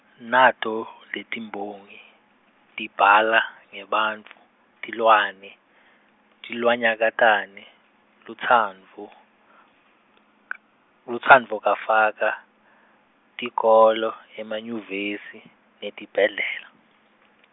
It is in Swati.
nato letiMbongi, tibhala ngebantfu, tilwane , tilwanyakatane, lutsandvo , lutsandvo kafaka, tikolo, emanyuvesi netibhedlela .